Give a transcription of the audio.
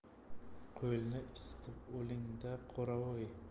qo'lni isitib oling da qoravoy